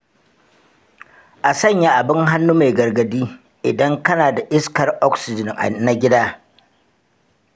a sanya abin hannu mai gargadi idan kana kan iskar oxygen na gida.